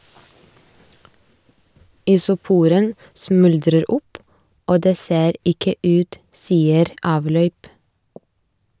Isoporen smuldrer opp, og det ser ikke ut, sier Avløyp.